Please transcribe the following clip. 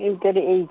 e thirty eigh-.